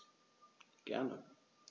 Gerne.